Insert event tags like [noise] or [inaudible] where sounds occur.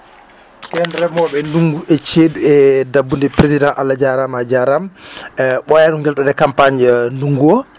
ken remoɓe ndungu e ceeɗu e dabbude président Allah jarama a jarama eyyi ɓooyani ko jaltuɗen e campagne [hesitation] ndungu o